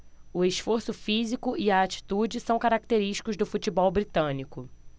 o esforço físico e a atitude são característicos do futebol britânico